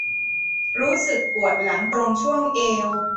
รู้สึกปวดหลังตรงช่วงเอว